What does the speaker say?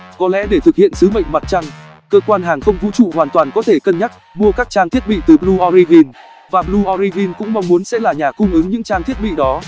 có lẽ để thực hiện sứ mệnh mặt trăng cơ quan hàng không vũ trụ hoàn toàn có thể cân nhắc mua các trang thiết bị từ blue origin và blue origin cũng mong muốn sẽ là nhà cung ứng những trang thiết bị đó